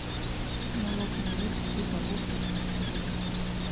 налог на вычет при покупке квартиры